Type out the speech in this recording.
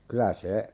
kyllä se